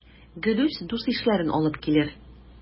Гелүс дус-ишләрен алып килер.